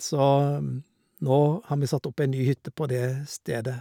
Så nå har vi satt opp ei ny hytte på det stedet.